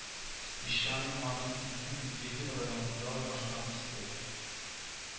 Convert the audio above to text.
Песчаный Мари Илнең Медведево районында урнашкан бистә